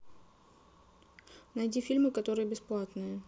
найди фильмы которые бесплатные